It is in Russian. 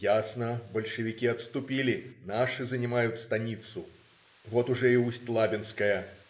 Ясно: большевики отступили, наши занимают станицу. Вот уже и Усть-Лабинская.